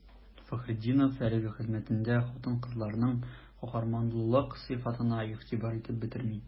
Фәхретдинов әлеге хезмәтендә хатын-кызларның каһарманлылык сыйфатына игътибар итеп бетерми.